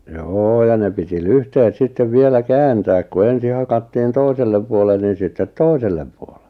joo ja ne piti lyhteet sitten vielä kääntää kun ensin hakattiin toiselle puolen niin sitten toiselle puolen